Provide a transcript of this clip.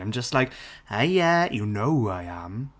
I'm just like heya you know who I am.